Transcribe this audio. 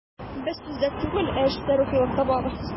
Без сүздә түгел, ә эштә рухилык табабыз.